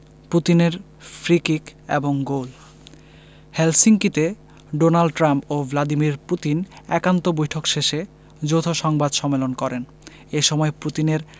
পুতিনের free kick এবং গোল হেলসিঙ্কিতে ডোনাল্ড ট্রাম্প ও ভ্লাদিমির পুতিন একান্ত বৈঠক শেষে যৌথ সংবাদ সম্মেলন করেন এ সময় পুতিনের